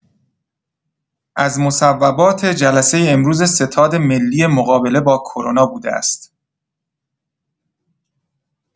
از مصوبات جلسه امروز ستاد ملی مقابله با کرونا بوده است.